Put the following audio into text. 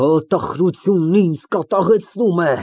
Քո տխրությունն ինձ կատաղեցնում է։